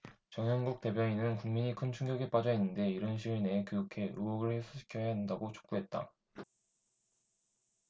정연국 대변인은 국민이 큰 충격에 빠져 있는데 이른 시일 내에 귀국해 의혹을 해소시켜야 한다고 촉구했다